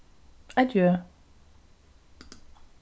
adjø